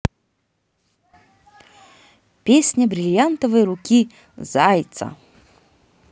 песня бриллиантовой руки зайца